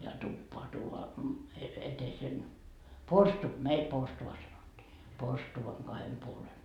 ja tupaan tuodaan - eteisen - meillä porstua sanottiin porstuan kahden puolen